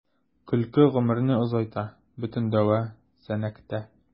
Көлке гомерне озайта — бөтен дәва “Сәнәк”тә.